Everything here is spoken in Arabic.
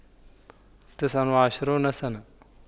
تسع وعشرون سنة